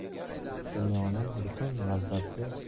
dunyoning butun lazzati